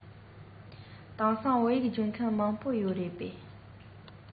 དེང སང བོད ཡིག སྦྱོང མཁན མང པོ ཡོད རེད པས